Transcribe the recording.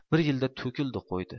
bir yilda to'kildi qo'ydi